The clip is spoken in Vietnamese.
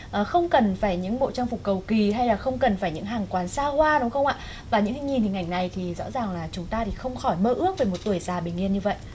ờ không cần phải những bộ trang phục cầu kỳ hay là không cần phải những hàng quán xa hoa đúng không ạ và những khi nhìn hình ảnh này thì rõ ràng là chúng ta thì không khỏi mơ ước về một tuổi già bình yên như vậy